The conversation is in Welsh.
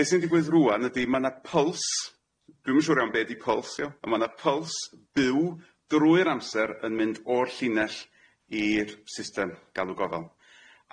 Be' sy'n digwydd rŵan ydi ma' na pyls dwi'm yn siŵr iawn be' di pyls y'o' a ma' na pyls byw drwy'r amser yn mynd o'r llinell i'r system galw gofal,